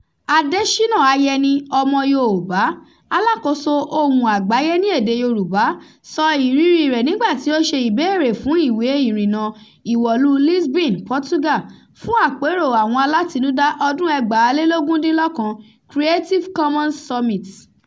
Adéṣínà Ayẹni (Ọmọ Yoòbá), alákòóso Ohùn Àgbáyé ní èdèe Yorùbá, sọ ìríríi rẹ̀ nígbà tí ó ṣe ìbéèrè fún ìwé ìrìnnà ìwọ̀lúu Lisbon, Portugal, fún àpéròo àwọn alátinúdá 2019 Creative Commons Summit: